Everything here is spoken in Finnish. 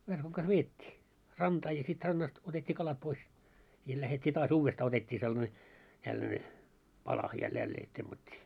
verkon kanssa vedettiin rantaan ja sitten rannasta otettiin kalat pois ja lähdettiin taas uudestaan otettiin sellainen tällainen pala ja jälleen temmattiin